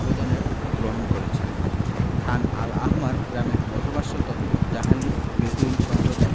আবেদনের গ্রহণ করেছে খান আল আহমার গ্রামে বসবাসরত জাহালিন বেদুইন সম্প্রদায়